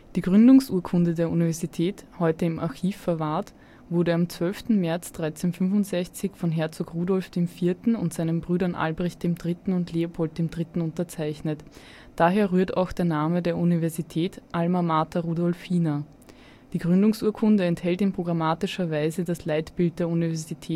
Die Gründungsurkunde der Universität, heute im Archiv verwahrt, wurde am 12. März 1365 von Herzog Rudolf IV. und seinen Brüdern Albrecht III. und Leopold III. unterzeichnet. Daher rührt auch der Name der Universität Alma Mater Rudolphina. Die Gründungsurkunde enthält in programmatischer Weise das Leitbild der Universität